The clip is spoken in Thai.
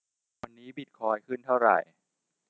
วันนี้บิทคอยน์ขึ้นเท่าไหร่